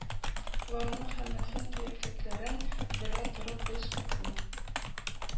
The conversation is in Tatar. Ларның һәммәсенең кирәклекләрен белә торып, без уку